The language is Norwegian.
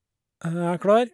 Jeg er klar.